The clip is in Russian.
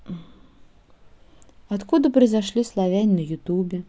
откуда произошли славяне на ютубе